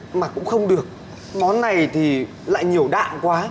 mà cũng không được món này thì lại nhiều đạm quá